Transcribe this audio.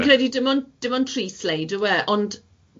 Fi'n credu dim ond dim ond tri sleid yw e, ond.